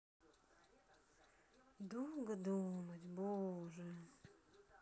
долго думать боже